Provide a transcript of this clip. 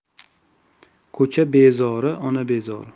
ko'cha bezori ona bezori